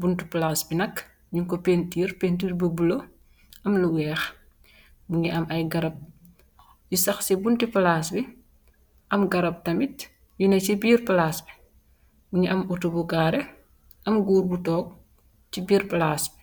buntu plaas bi nak nug ko pintiir pintir bu blo am lu weex bu ngi am ay garab yu sax ci bunti plaas bi am garab tamit yu na ci biir plaas bi buni am autu bu gaare am guur bu toog ci biir plaas b.